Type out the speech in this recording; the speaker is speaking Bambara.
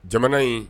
Jamana ye